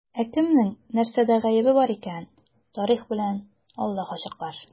Ә кемнең нәрсәдә гаебе бар икәнен тарих белән Аллаһ ачыклар.